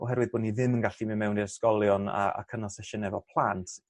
oherwydd bo' ni ddim yn gallu myn' mewn i'r ysgolion a a cynnal sesiyne efo plant